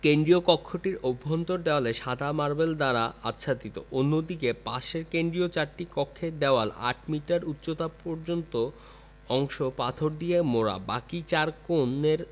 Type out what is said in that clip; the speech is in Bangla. কেন্দ্রীয় কক্ষটির অভ্যন্তর দেওয়াল সাদা মার্বেল দ্বারা আচ্ছাদিত অন্যদিকে পাশের কেন্দ্রীয় চারটি কক্ষের দেওয়াল আট মিটার উচ্চতা পর্যন্ত অংশ পাথর দিয়ে মোড়া বাকি চার কোণের